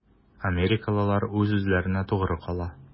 Америкалылар үз-үзләренә тугры кала.